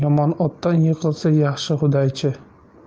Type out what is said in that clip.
yomon otdan yiqilsa yaxshi hudaychi